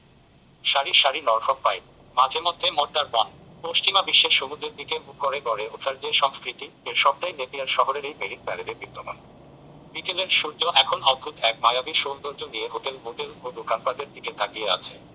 সারি সারি Norfolk pine মাঝেমধ্যে মোড়তার বন পশ্চিমা বিশ্বে সমুদ্রের দিকে মুখ করে গড়ে ওঠার যে সংস্কৃতি এর সবটাই নেপিয়ার শহরের এই মেরিন প্যারেডে বিদ্যমান বিকেলের সূর্য এখন অদ্ভুত এক মায়াবী সৌন্দর্য নিয়ে হোটেল মোটেল ও দোকানপাটের দিকে তাকিয়ে আছে